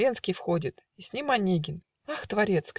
Ленский входит, И с ним Онегин. "Ах, творец!